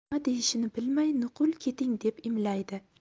nima deyishini bilmay nuqul keting deb imlaydi